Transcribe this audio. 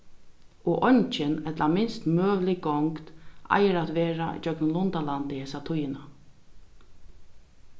og eingin ella minst møgulig gongd eigur at vera gjøgnum lundalandið hesa tíðina